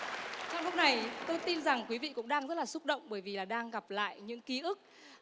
trong lúc này tôi tin rằng quý vị cũng đang rất là xúc động bởi vì là đang gặp lại những ký ức